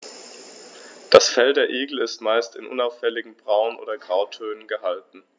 Das Fell der Igel ist meist in unauffälligen Braun- oder Grautönen gehalten.